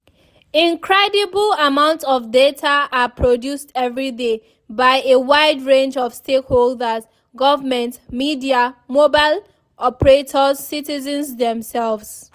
Incredible amounts of data are produced every day, by a wide range of stakeholders: governments, media, mobile operators, citizens themselves.